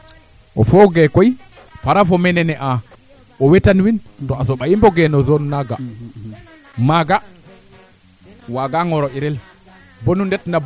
xoxox we a mbaru njeg pour te waago mengoor fo kee ando naye ten refu meteo fee i ndalin teen axe ando naye ten refu grand Ndane